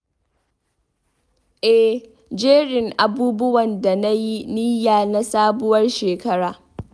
Eh, jerin abubuwan da na yi niyya na Sabuwar Shekara.